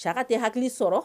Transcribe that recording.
Saka tɛ hakili sɔrɔ